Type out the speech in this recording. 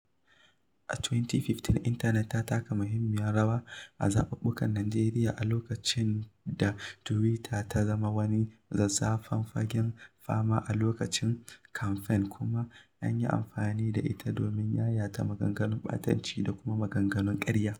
A 2015, intanet ta taka muhimmiyar rawa a zaɓuɓɓukan Najeriya a lokacin da Tuwita ta zama wani zazzafan fagen fama a lokutan kamfen kuma an yi amfani da ita domin yayata maganganun ɓatanci da kuma maganganun ƙarya.